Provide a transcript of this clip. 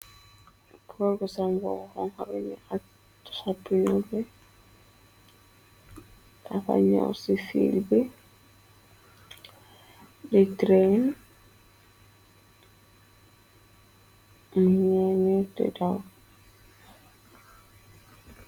Gorr bu sol buba bu konko ak tebai bu nuul dafa neww ci fil be di "train" mu nene di daw.